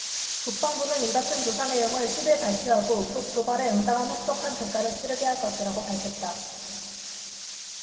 국방부는 이 같은 조사내용을 십 일 발표하고 북 도발에 응당한 혹독한 대가를 치르게 할 것이라고 밝혔다